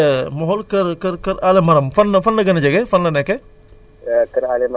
yow Kër Allé ma xool kër kër kër Allé Marème fan la fan la gën a jege